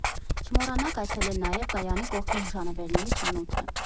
Չմոռանաք այցելել նաև կայանի կողքի հուշանվերների խանութը։